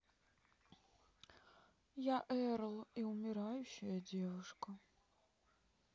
я эрл и умирающая девушка